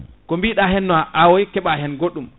ko biɗa hen no awoy keɓa hen goɗɗum